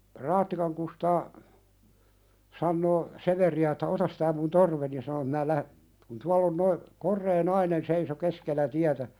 Raattikan Kustaa sanoo Severiä että ota tämä minun torveni ja sanoi että minä - kun tuolla on nuo korea nainen seisoi keskellä tietä